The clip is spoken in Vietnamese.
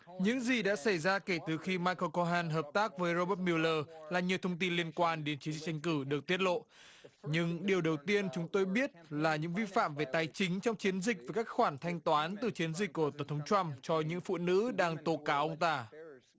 những gì đã xảy ra kể từ khi mai cồ co han hợp tác với rô bớt biu lơ là nhiều thông tin liên quan đến chiến tranh cử được tiết lộ những điều đầu tiên chúng tôi biết là những vi phạm về tài chính trong chiến dịch với các khoản thanh toán từ chiến dịch của tổng thống trăm cho những phụ nữ đang tố cáo ông ta